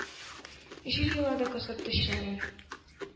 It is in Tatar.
Җир елады кысып тешләрен.